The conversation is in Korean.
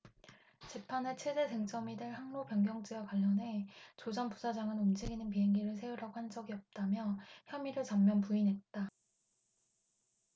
재판의 최대 쟁점이 될 항로변경죄와 관련해 조 전 부사장은 움직이는 비행기를 세우라고 한 적은 없다며 혐의를 전면 부인했다